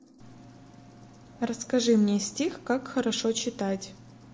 расскажи мне стих как хорошо читать